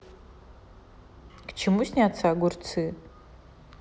к чему снятся огурцы